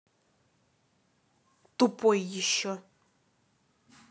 тупой еще